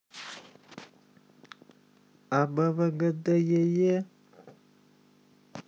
абвгдее